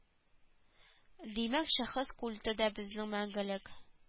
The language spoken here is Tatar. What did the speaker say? Димәк шәхес культы да безнең мәңгелек